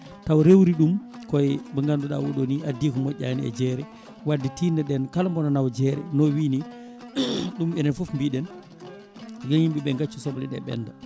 taw rewri ɗum koye mo ganduɗa oɗo ni addi ko moƴƴani e jeere wadde tinnoɗen kala mona nawa jeere no wiini ɗum enen fof mbiɗen yo yimɓeɓe gaccu sobleɗe ɗe ɓenda